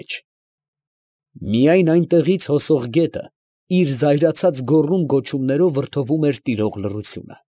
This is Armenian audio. Մեջ. միայն այնտեղից հոսող գետը իր զայրացած գոռում֊գոչումներով վրդովում էր տիրող լռությունը։